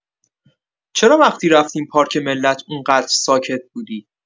چرا وقتی رفتیم پارک ملت اونقدر ساکت بودی؟